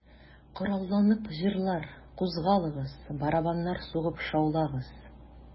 Коралланып, җырлар, кузгалыгыз, Барабаннар сугып шаулагыз...